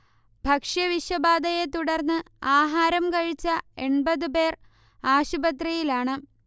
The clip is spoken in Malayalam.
ഭക്ഷ്യ വിഷബാധയെ തുടർന്ന് ആഹാരം കഴിച്ച എൺപതു പേർ ആശുപത്രിയിലാണ്